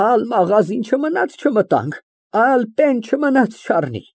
Ալ մագազին չը մնաց չըմտանք, ալ պեան չմնաց ֊ չառնի։